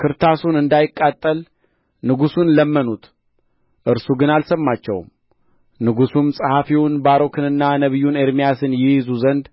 ክርታሱን እንዳያቃጥል ንጉሡን ለመኑት እርሱ ግን አልሰማቸውም ንጉሡም ጸሐፊውን ባሮክንና ነቢዩን ኤርምያስን ይይዙ ዘንድ